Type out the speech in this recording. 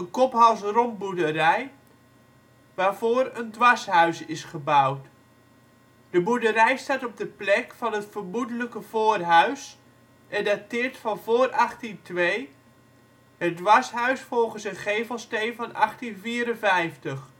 kop-hals-rompboerderij waarvoor een dwarshuis is gebouwd. De boerderij staat op de plek van het vermoedelijke voorhuis en dateert van voor 1802, het dwarshuis volgens een gevelsteen van 1854. De